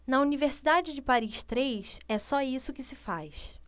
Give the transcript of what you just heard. na universidade de paris três é só isso que se faz